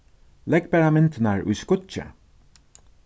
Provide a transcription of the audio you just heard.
legg bara myndirnar í skýggið